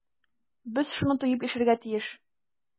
Без шуны тоеп яшәргә тиеш.